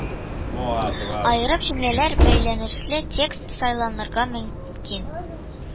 Аерым җөмлəлəр, бəйлəнешле текст сайланырга мөнмкин